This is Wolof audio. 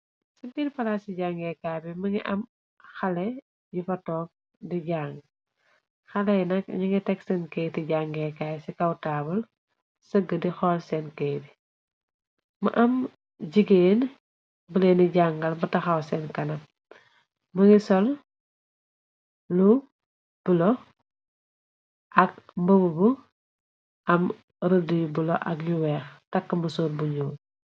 Ci dir palaas ci jangeekaa bi mëngi am xale yu fa toog di jang xaley nak ña ngi teg seen keyti jangeekaay ci kawtaabal sëgg di xool seen ke bi ma am jigeen bëlee ni jangal ba taxaw seen kanab më ngi sol lu bulo ak mbëm bu am rëdy bulo ak yu weex takk mu sor bu ñuo.